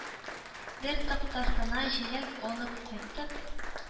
“бер тактасына җиләк алып кайтып